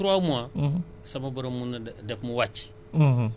parce que dañu ne gàncax boo munut a ji ci nawet bi